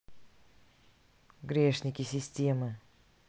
грешники системы